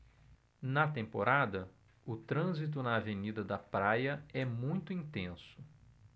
na temporada o trânsito na avenida da praia é muito intenso